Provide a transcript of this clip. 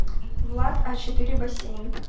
влад а четыре бассейн